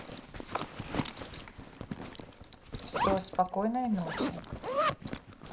все спокойной ночи